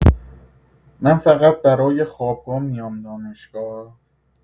من فقط برای خوابگاه میام دانشگاه؟